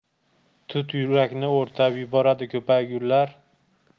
tut yurakni o'rtab yuboradi ko'paygurlar